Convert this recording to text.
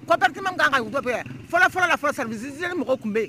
Kopti kan ka bɛɛ fɔlɔ fɔlɔ ka fa sara sin mɔgɔ tun bɛ yen